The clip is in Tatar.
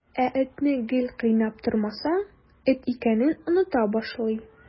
Ә этне гел кыйнап тормасаң, эт икәнен оныта башлый.